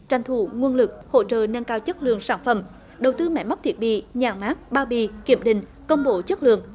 tranh thủ nguồn lực hỗ trợ nâng cao chất lượng sản phẩm đầu tư máy móc thiết bị nhãn mác bao bì kiểm định công bố chất lượng